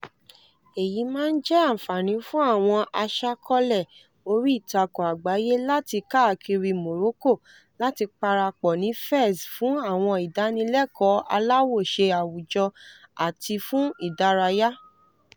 Èyí máa jẹ́ àǹfààní fún àwọn aṣàkọọ́lẹ̀ oríìtakùn àgbáyé láti káàkiri Morocco láti parapọ̀ ní Fez fún àwọn ìdánilẹ́kọ̀ọ́ aláwòṣe, àwùjọ, àti fún ìdárayá.